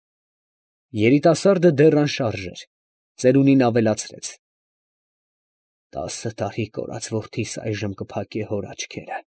Երիտասարդը դեռ անշարժ էր։ Ծերունին ավելացրեց. «Տասը տարի կորած որդիս այժմ կփակե հոր աչքերը»։